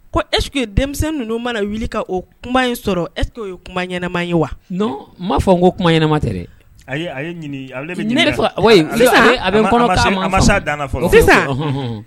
Ko e ye denmisɛnnin ninnu mana wuli ka o kuma in sɔrɔ e ye kuma ɲɛnaɛnɛma ye wa n m ma fɔ n ko kuma ɲɛnaɛnɛma tɛ sisan